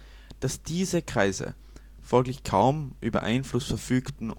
diese Kreise “folglich kaum über Einfluss verfügten